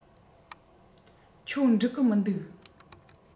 ཁྱོད འགྲིག གི མི འདུག